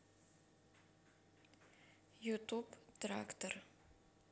ютуб трактор